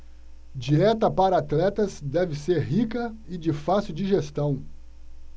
dieta para atletas deve ser rica e de fácil digestão